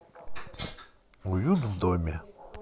уют в доме